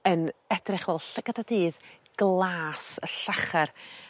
yn edrych fel llygad y dydd glas a llachar.